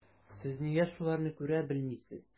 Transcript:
Сез нигә шуларны күрә белмисез?